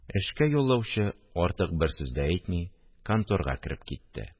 Эшкә яллаучы, артык бер сүз дә әйтми, конторга кереп китте